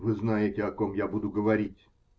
-- Вы знаете, о ком я буду говорить?